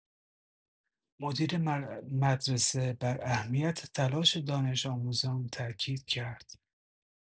مدیر مدرسه بر اهمیت تلاش دانش‌آموزان تأکید کرد.